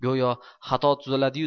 go'yo xato tuzaladi yu